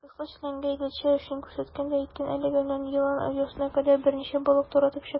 Кысла челәнгә ләтчә өнен күрсәткән дә әйткән: "Әлеге өннән елан оясына кадәр берничә балык таратып чык".